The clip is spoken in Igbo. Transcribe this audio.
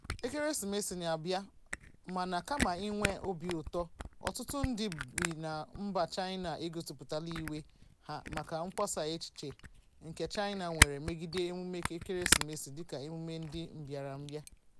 Ekeresimesi na-abịa mana kama inwe obiụtọ, ọtụtụ ndị bi na mba China egosipụtala iwe ha maka mkpọsa echiche nke China nwere megide emume Ekeresimesi dịka emume ndị mbịarambịa.